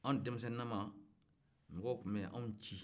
anw denmisɛnnama mɔgɔw tun bɛ anw ci